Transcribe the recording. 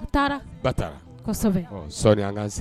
Ba sɔ y an kan